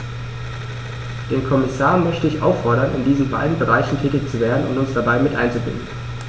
Den Kommissar möchte ich auffordern, in diesen beiden Bereichen tätig zu werden und uns dabei mit einzubinden.